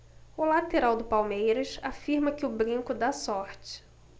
o lateral do palmeiras afirma que o brinco dá sorte